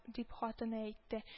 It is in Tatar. — дип хатыны әйте